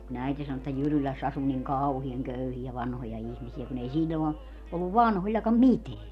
kun äiti sanoi että Jyrylässä asui niin kauhean köyhiä vanhoja ihmisiä kun ei silloin ole ollut vanhoillakaan mitään